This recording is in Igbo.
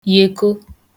yèko